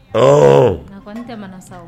Ɔ sa